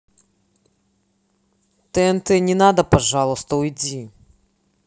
тнт не надо пожалуйста уйди